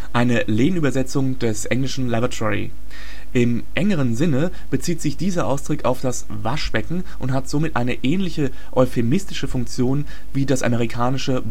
eine Lehnübersetzung des englischen lavatory. Im engeren Sinne bezieht sich dieser Ausdruck auf das Waschbecken und hat somit eine ähnliche euphemistische Funktion wie das amerikanische